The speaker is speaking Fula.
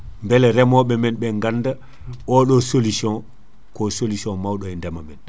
beele reemoɓe men ganda oɗo solution ko solution mawɗo e ndeema men